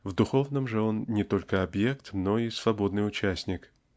в духовном же он -- не только объект но и свободный участник.